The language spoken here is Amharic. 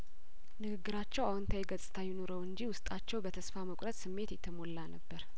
ንግግራቸው አዎንታዊ ገጽታ ይኑረው እንጂ ውስጣቸው በተስፋ መቁረጥ ስሜት የተሞላ ነበር